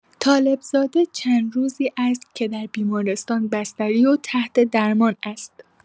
طالب‌زاده چند روزی است که در بیمارستان بستری و تحت درمان است.